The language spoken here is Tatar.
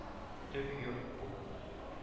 Төп йорт бу